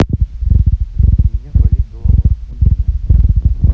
у меня болит голова у меня